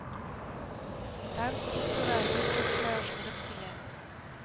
Танк туп-туры орудие өстенә ажгырып килә